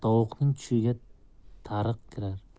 tovuqning tushiga tariq kirar